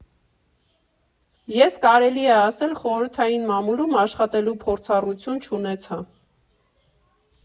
Ես, կարելի է ասել, խորհրդային մամուլում աշխատելու փորձառություն չունեցա։